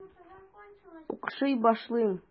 Укшый башлыйм.